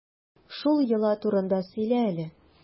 Шул йола турында сөйлә әле.